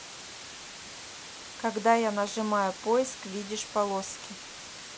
когда я нажимаю поиск видишь полоски